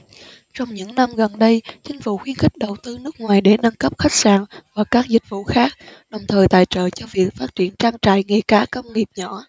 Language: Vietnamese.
trong những năm gần đây chính phủ khuyến khích đầu tư nước ngoài để nâng cấp khách sạn và các dịch vụ khác đồng thời tài trợ cho việc phát triển trang trại nghề cá công nghiệp nhỏ